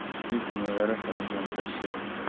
ilk nevara farzandda shirin